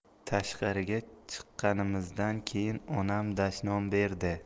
tashqariga chiqqanimizdan keyin onam dashnom berdi